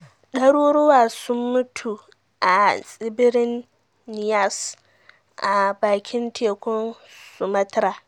Daruruwa sun mutu a tsibirin Nias, a bakin tekun Sumatra.